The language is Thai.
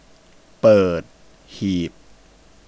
เปิดหีบ